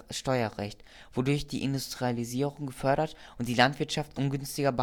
Steuerrecht, wodurch die Industrialisierung gefördert und die Landwirtschaft ungünstiger